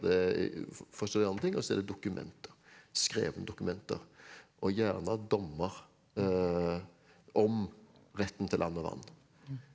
det er forskjellige andre ting og så er det dokumenter, skrevne dokumenter og gjerne dommer om retten til land og vann.